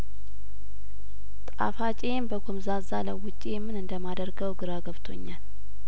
ጣፋጬን በጐምዛዛ ለውጬ ምን እንደማደርገው ግራ ገብቶኛል